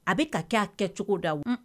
A bɛ ka kɛ kɛ cogo da